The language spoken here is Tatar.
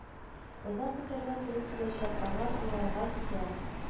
Озак көтәргә туры киләчәк аңар уралга китәм